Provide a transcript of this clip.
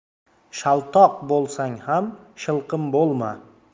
shaltoq bo'lsang ham shilqim bo'lma